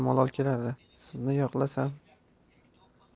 malol keladi sizni yoqlasam